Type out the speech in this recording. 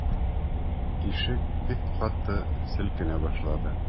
Ишек бик каты селкенә башлады.